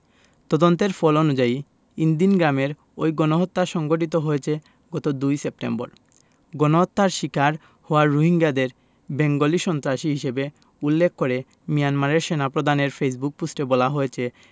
তদন্তের ফল অনুযায়ী ইনদিন গ্রামের ওই গণহত্যা সংঘটিত হয়েছে গত ২ সেপ্টেম্বর গণহত্যার শিকার হওয়া রোহিঙ্গাদের বেঙ্গলি সন্ত্রাসী হিসেবে উল্লেখ করে মিয়ানমারের সেনাপ্রধানের ফেসবুক পোস্টে বলা হয়েছে